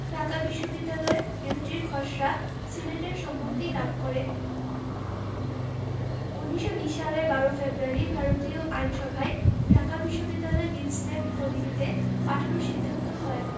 ঢাকা বিশ্ববিদ্যালয় বিলটির খসড়া সিনেটের সম্মতি লাভ করে ১৯২০ সালের ১২ ফেব্রুয়ারি ভারতীয় আইনসভায় ঢাকা বিশ্ববিদ্যালয় বিল সিলেক্ট কমিটিতে পাঠানোর সিদ্ধান্ত হয়